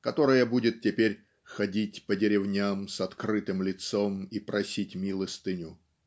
которая будет теперь "ходить по деревням с открытым лицом и просить милостыню".